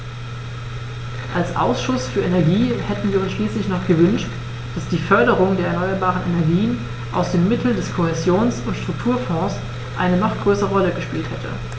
Als Ausschuss für Energie hätten wir uns schließlich noch gewünscht, dass die Förderung der erneuerbaren Energien aus den Mitteln des Kohäsions- und Strukturfonds eine noch größere Rolle gespielt hätte.